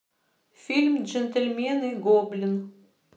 фильм джентльмены гоблин